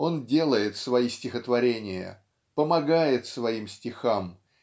он делает свои стихотворения помогает своим стихам